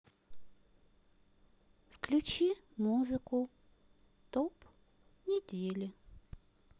включи музыку топ недели